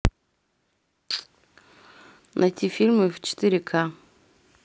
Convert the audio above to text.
найти фильмы в четыре ка